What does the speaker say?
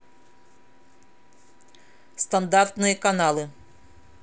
стандартные каналы